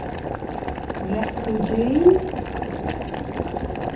brekkugil